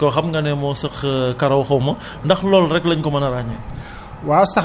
bëggoon nañ koo xam nga ne moo sëkk karaw xaw ma ndax loolu rekk lañ ko mën a ràññee